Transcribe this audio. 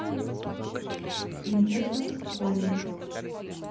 принцесса холли